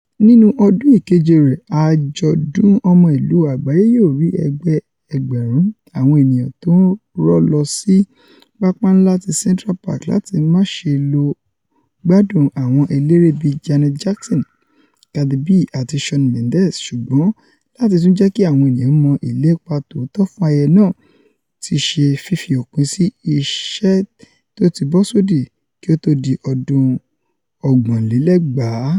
nínú ọdún ìkeje rẹ̀, Àjọ̀dun Ọmọ Ìlú Àgbáyé yóò rí ẹgbẹ-ẹgbẹ̀rún àwọn ènìyàn tó ńrọ́ lọsí Pápá Ńlá ti Central Park láti máṣe lọ gbádùn àwọn eléré bíi Janet Jackson, Cardi B àti Shawn Mendes, ṣùgbọ́n láti tún jẹ́kí àwọn ènìyàn mọ ìlépa tòótọ́ fún ayẹyẹ naa tííṣe fifi òpin sí ìṣẹ́ tóti bọ́sódi kí ó tó di ọdún 2030.